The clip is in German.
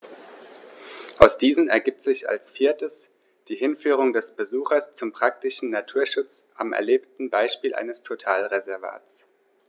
Aus diesen ergibt sich als viertes die Hinführung des Besuchers zum praktischen Naturschutz am erlebten Beispiel eines Totalreservats.